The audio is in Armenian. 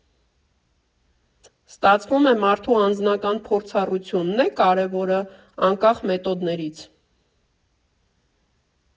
Ստացվում է՝ մարդու անձնական փորձառությու՞նն է կարևորը՝ անկախ մեթոդներից։